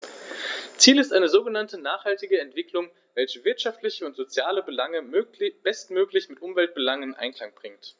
Ziel ist eine sogenannte nachhaltige Entwicklung, welche wirtschaftliche und soziale Belange bestmöglich mit Umweltbelangen in Einklang bringt.